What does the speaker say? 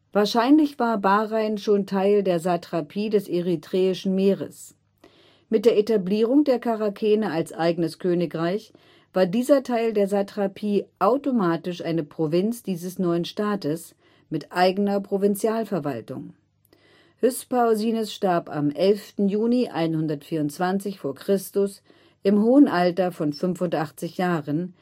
Wahrscheinlich war Bahrain schon Teil der Satrapie des Erythräischen Meeres. Mit der Etablierung der Charakene als eigenes Königreich war dieser Teil der Satrapie automatisch eine Provinz dieses neuen Staates, mit eigener Provinzialverwaltung. Hyspaosines starb am 11. Juni 124 v. Chr. im hohen Alter von 85 Jahren